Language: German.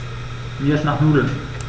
Mir ist nach Nudeln.